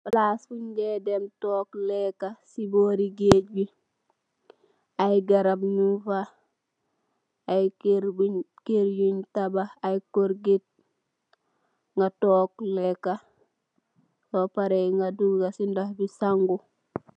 Palas buñ dey dem tóóg lekka si bori gééj ngi, ay garap ñuñ fa, ay kër yun tabax, ay koruget nga tóóg lekka, so pareh nga dugga ci ndox bi sanggu.